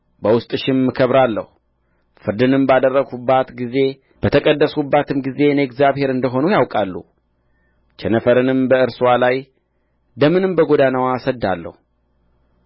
በውስጥሽም እከብራለሁ ፍርድንም ባደረግሁባት ጊዜ በተቀደስሁባትም ጊዜ እኔ እግዚአብሔር እንደ ሆንሁ ያውቃሉ ቸነፈርንም በእርስዋ ላይ ደምንም በጎዳናዋ እሰድዳለሁ